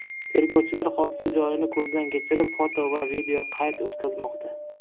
tergovchilar hodisa joyini ko'zdan kechirib foto va videoqayd o'tkazmoqda